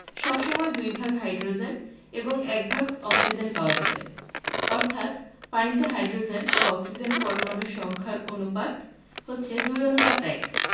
সব সময় দুই ভাগ হাইড্রোজেন এবং এক ভাগ অক্সিজেন পাওয়া যাবে অর্থাৎ পানিতে হাইড্রোজেন ও অক্সিজেনের পরমাণুর সংখ্যার অনুপাত 2 : 1